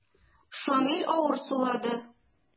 Шамил авыр сулады.